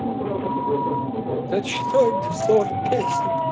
ночной дозор песня